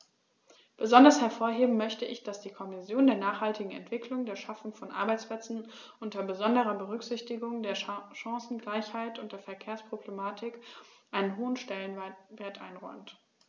Besonders hervorheben möchte ich, dass die Kommission der nachhaltigen Entwicklung, der Schaffung von Arbeitsplätzen unter besonderer Berücksichtigung der Chancengleichheit und der Verkehrsproblematik einen hohen Stellenwert einräumt.